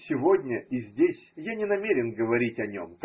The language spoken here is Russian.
Сегодня и здесь я не намерен говорить о нем.